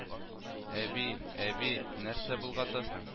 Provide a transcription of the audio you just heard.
Әби, әби, нәрсә болгатасың